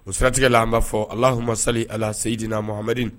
O siratigɛ la an b'a fɔ